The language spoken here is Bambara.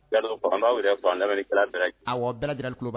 n b'aw yɛrɛ fo ani lamɛnnikɛla bɛɛ lajɛlen , awɔ bɛɛ lajɛlen tulo b'a